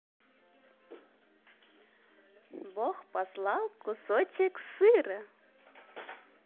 бог послал кусочек сыра